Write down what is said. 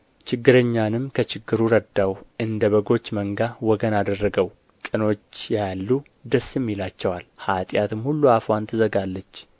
ችግረኛንም ከችግሩ ረዳው እንደ በጎች መንጋ ወገን አደረገው ቅኖች ያያሉ ደስም ይላቸዋል ኃጢአትም ሁሉ አፍዋን ትዘጋለች